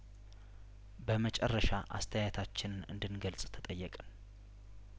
በመጨረሻ አስተያየታችንን እንድን ገልጽ ተጠየቅን